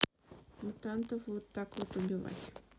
мутантов вот так вот и убивать